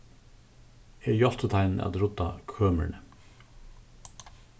eg hjálpti teimum at rudda kømrini